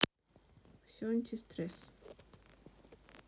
все антистресс